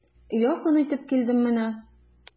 Якын итеп килдем менә.